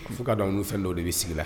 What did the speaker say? A fo kaa dɔn n' fɛn dɔw de bɛ sigi la